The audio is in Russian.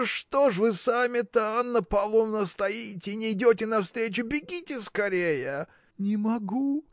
Да что ж вы сами-то, Анна Павловна, стоите, нейдете навстречу? Бегите скорее!. – Не могу!